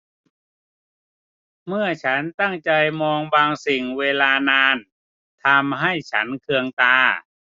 เมื่อฉันตั้งใจมองบางสิ่งเวลานานทำให้ฉันเคืองตา